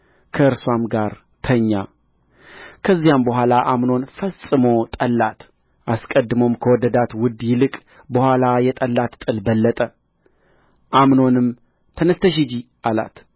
ከእርስዋም ጋር ተኛ ከዚያም በኋላ አምኖን ፈጽሞ ጠላት አስቀድሞም ከወደዳት ውድ ይልቅ በኋላ የጠላት ጥል በለጠ አምኖንም ተነሥተሽ ሂጂ አላት